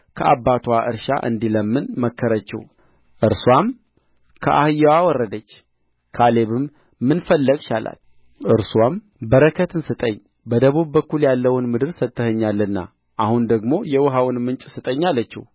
ከአባትዋ እርሻ እንዲለምን መከረችው እርስዋም ከአህያዋ ወረደች ካሌብም ምን ፈለግሽ አላት እርስዋም በረከትን ስጠኝ በደቡብ በኩል ያለውን ምድር ሰጥተኸኛልና አሁን ደግሞ የውኃውን ምንጭ ስጠኝ አለችው